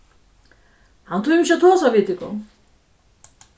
hann tímir ikki at tosa við tykum